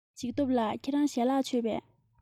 འཇིགས སྟོབས ལགས ཁྱེད རང ཞལ ལག མཆོད པས